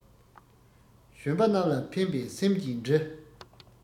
གཞོན པ རྣམས ལ ཕན པའི སེམས ཀྱིས འབྲི